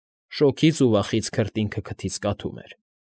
Շոգից ու վախից քրտինքը քթից կաթում էր։